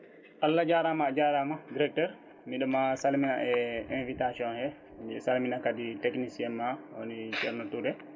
Allah jarama a jarama directeur mbiɗama salmina e invitation he mbiɗa salimina kadi technicien ma woni ceerno Touré